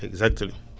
exactly